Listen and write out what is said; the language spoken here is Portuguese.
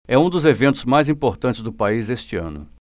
é um dos eventos mais importantes do país este ano